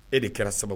E de kɛra sababu